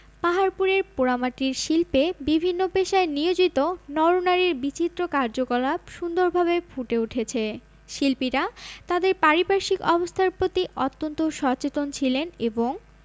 পাহাড়পুরের পোড়ামাটির শিল্পে বিভিন্ন পেশায় নিয়োজিত নর নারীর বিচিত্র কার্যকলাপ সুন্দরভাবে ফুটে উঠেছে শিল্পীরা তাদের পারিপার্শ্বিক অবস্থার প্রতি অত্যন্ত সচেতন ছিলেন এবং